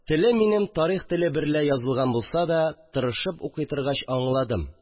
Теле минем тарих теле берлә язылган булса да, тырышып укый торгач аңладым